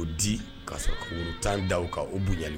' di ka kuru tan da kan u b'u ɲa